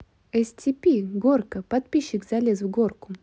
scp горка подписчик залез в горку